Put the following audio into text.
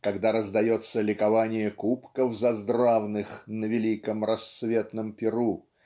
когда раздается "ликование кубков заздравных на великом рассветном пиру"